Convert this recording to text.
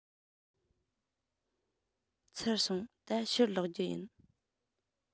ཚར སོང ད ཕྱིར ལོག རྒྱུ ཡིན